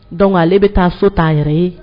Don ale bɛ taa so'a yɛrɛ ye